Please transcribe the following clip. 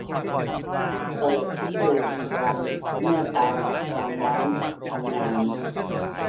เปิดที่ดูดควันเมื่อเตาความร้อนทำงาน